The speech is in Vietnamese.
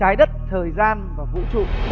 trái đất thời gian và vũ trụ